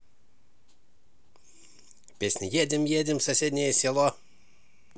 песня едем едем в соседнее село